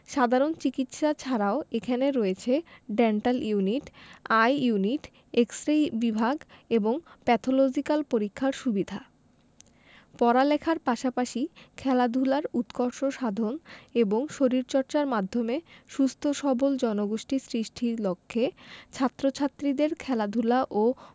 সাধারণ চিকিৎসা ছাড়াও এখানে রয়েছে dental unit eye unit X ray বিভাগ এবং প্যাথলজিক্যাল পরীক্ষার সুবিধা পড়ালেখার পাশাপাশি খেলাধুলার উৎকর্ষ সাধন এবং শরীরচর্চার মাধ্যমে সুস্থ সবল জনগোষ্ঠী সৃষ্টির লক্ষ্যে ছাত্র ছাত্রীদের খেলাধুলা ও